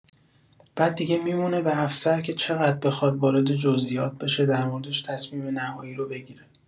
بعد دیگه می‌مونه به افسر که چقدر بخواد وارد جزیات بشه در موردش تصمیم نهایی رو بگیره.